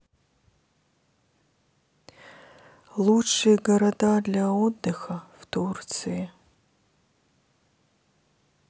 лучшие города для отдыха в турции